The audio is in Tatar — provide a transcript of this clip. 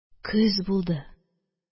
Көз булды